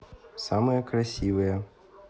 самые красивые